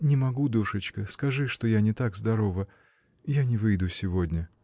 — Не могу, душечка, скажи, что я не так здорова. и не выйду сегодня.